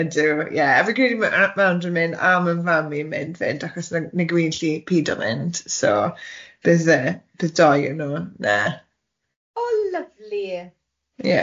Ydw ie a fi'n credu ma- yy ma' Andrew'n mynd a ma'n fam i'n mynd fynd achos nag- nagyw i'n gallu pido mynd so bydd yy bydd doi o nhw na... O lyfli. ...ie.